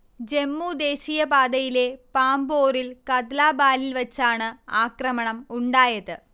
ജമ്മു ദേശീയപാതയിലെ പാംപോറിൽ കദ്ലാബാലിൽ വച്ചാണ് ആക്രമണം ഉണ്ടായത്